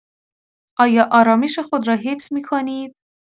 آیا آرامش خود را حفظ می‌کنید؟